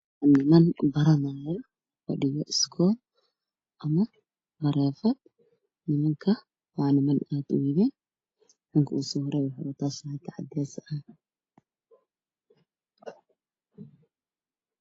Waa niman wax baranayaan aaday ii waaweyn yihiin kuraas ayey ku fadhiyaan oo guduud ah waana niman waaweyn